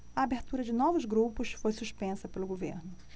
a abertura de novos grupos foi suspensa pelo governo